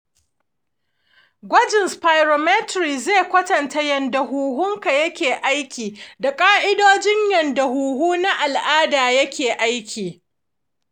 gwajin spirometry zai kwatanta yadda huhunka ke aiki da ƙa’idojin yadda huhu na al’ada yake aiki.